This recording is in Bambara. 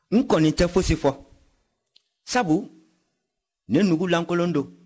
n kɔni tɛ fosi fɔ sabu ne nugu lankolon don